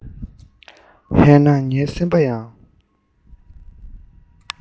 ཧད ན ངའི སེམས པ ཡང